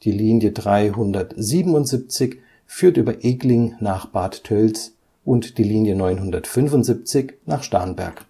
Linie 377 führt über Egling nach Bad Tölz und die Linie 975 nach Starnberg